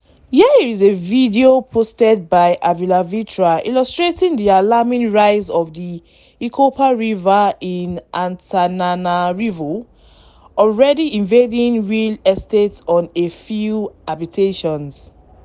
Here is a video posted by avyalvitra illustrating the alarming rise of the Ikopa river in Antananarivo, already invading real estate on a few habitations.